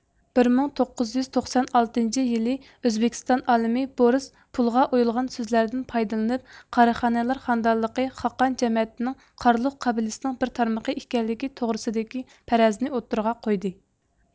بىر مىڭ توققۇزيۈز توقسان ئالتىنچى يىلى ئۆزبېكىستان ئالىمى بورس پۇلغا ئويۇلغان سۆزلەردىن پايدىلىنىپ قاراخانىيلار خانىدانلىقى خاقان جەمەتىنىڭ قارلۇق قەبىلىسىنىڭ بىر تارمىقى ئىكەنلىكى توغرىسىدىكى پەرەزنى ئوتتۇرىغا قويدى